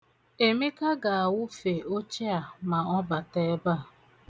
Emeka ga-awụfe oche a ma ọ bata ebe a.